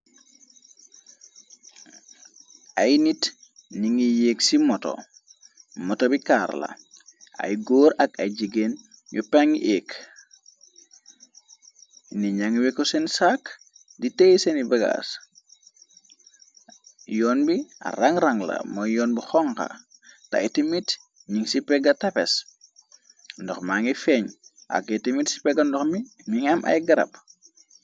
Ay nit ni ngiy yéeg ci moto moto bi kaarla ay góor ak ay jigéen ñu pangi éék ni nang we ko seen saak di tëy seeni bagaas yoon bi rang rangla mooy yoon bi xonga te aytimit ning ci pegga tapes ndox ma ngi feeñ ak atémit ci pega ndox mi ningam ay garab.